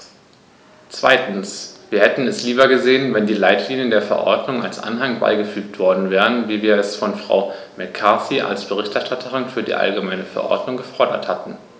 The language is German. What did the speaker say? Zweitens: Wir hätten es lieber gesehen, wenn die Leitlinien der Verordnung als Anhang beigefügt worden wären, wie wir es von Frau McCarthy als Berichterstatterin für die allgemeine Verordnung gefordert hatten.